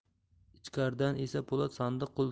ichkaridan esa po'lat sandiq